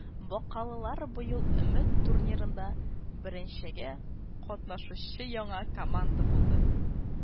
Бакалылар быел Өмет турнирында беренчегә катнашучы яңа команда булды